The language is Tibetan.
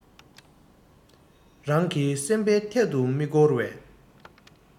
རང གི སེམས པའི མཐའ རུ མི སྐོར བའི